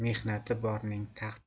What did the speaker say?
bor mehnati borning taxti